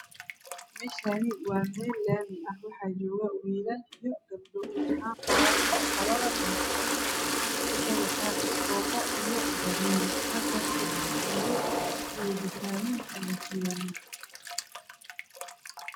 Meshani waa mel lami ah waxa jogo wll io gabdho waxry xayqayan waa qolad nadafada waxey watan iskobo io badiil halkasna waxa kuyalo guryo io dukaman aya kuyalan